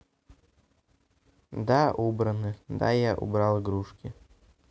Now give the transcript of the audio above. да убраны да я убрал игрушки